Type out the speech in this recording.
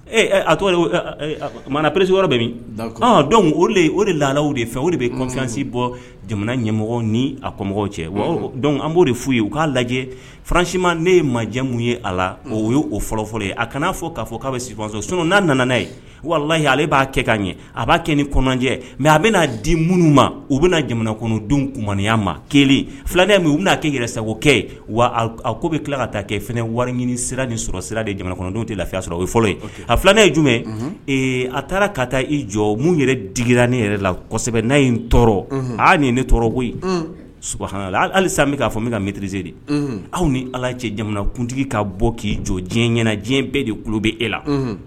Ee a tɔgɔumana presi yɔrɔ bɛ min dɔn o o de la de fɛ o de bɛ kɔfisi bɔ jamana ɲɛmɔgɔ ni a kɔmɔgɔw cɛ dɔnku an b'o de f' ye u k'a lajɛ faransi ma ne ye ma jɛ min ye a la o y ye o fɔlɔfɔlɔlen a kanaa fɔ k'a fɔ k'a bɛ sso so n'a nana' ye walalayi ale b'a kɛ k'a ɲɛ a b'a kɛ ni kɔnjɛ mɛ a bɛ n'a di minnu ma u bɛna jamana kɔnɔndenw manya ma kelen filan min u bɛna'a kɛ yɛrɛ sago kɛ wa a ko bɛ tila ka ta kɛ f wari ɲini sira nin sɔrɔ sira de jamana kɔnɔndenw tɛ lafiya sɔrɔ o fɔlɔ a filannen ye jumɛn a taara ka taa i jɔ min yɛrɛ digira ne yɛrɛ la kosɛbɛ n'a in n tɔɔrɔ aa nin ne tɔɔrɔko in sugala hali bɛ k'a fɔ ne ka misitirizsee de aw ni ala cɛ jamanakuntigi ka bɔ k'i jɔ diɲɛ ɲɛna diɲɛ bɛɛ de tulo bɛ e la